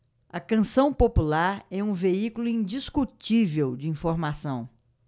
a canção popular é um veículo indiscutível de informação